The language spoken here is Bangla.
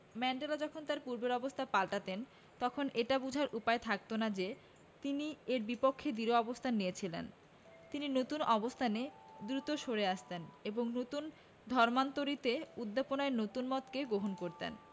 ম্যান্ডেলা যখন তাঁর পূর্বের অবস্থান পাল্টাতেন তখন এটা বোঝার উপায়ই থাকত না যে তিনি এর বিপক্ষে দৃঢ় অবস্থান নিয়েছিলেন তিনি নতুন অবস্থানে দ্রুত সরে আসতেন এবং নতুন ধর্মান্তরিতের উদ্দীপনায় নতুন মতকে গ্রহণ করতেন